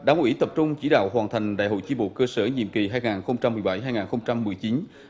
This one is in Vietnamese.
đảng ủy tập trung chỉ đạo hoàn thành đại hội chi bộ cơ sở nhiệm kỳ hai ngàn không trăm mười bảy hai ngàn không trăm mười chín